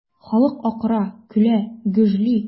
Халык акыра, көлә, гөжли.